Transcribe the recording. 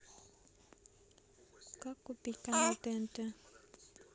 как купить канал тнт